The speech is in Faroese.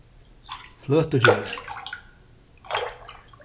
fløtugerði